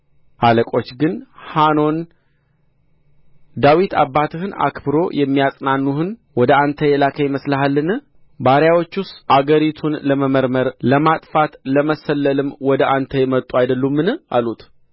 አለቆች ግን ሐኖንን ዳዊት አባትህን አክብሮ የሚያጽናኑህን ወደ አንተ የላከ ይመስልሃልን ባሪያዎቹስ አገሪቱን ለመመርመር ለማጥፋት ለመሰለልም ወደ አንተ የመጡ አይደሉምን አሉት